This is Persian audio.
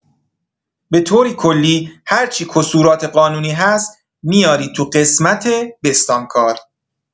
بطوری کلی هرچی کسورات قانونی هست میاری تو قسمت بستانکار